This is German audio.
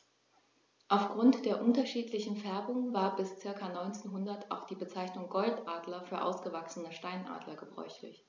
Auf Grund der unterschiedlichen Färbung war bis ca. 1900 auch die Bezeichnung Goldadler für ausgewachsene Steinadler gebräuchlich.